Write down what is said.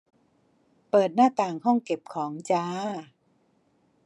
เปิดหน้าต่างห้องเก็บของจ้า